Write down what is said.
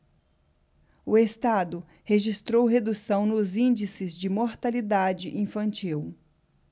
o estado registrou redução nos índices de mortalidade infantil